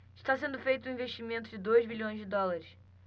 está sendo feito um investimento de dois bilhões de dólares